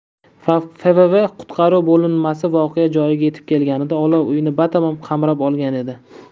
fvv qutqaruv bo'linmasi voqea joyiga yetib kelganida olov uyni batamom qamrab olgan edi